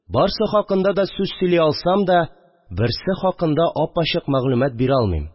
Барсы хакында да сүз сөйли алсам да, берсе хакында ап-ачык мәгълүмат бирә алмыйм.